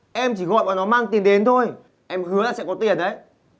em chỉ gọi bọn nó mang tiền đến thôi em hứa là sẽ có tiền đấy